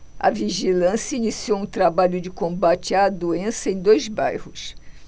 a vigilância iniciou um trabalho de combate à doença em dois bairros